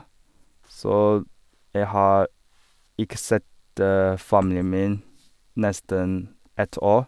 Så jeg har ikke sett familien min nesten ett år.